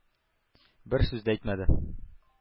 Бер сүз дә әйтмәде.